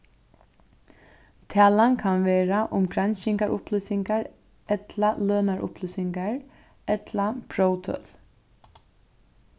talan kann verða um granskingarupplýsingar ella lønarupplýsingar ella próvtøl